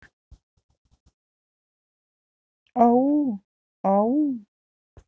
ау ау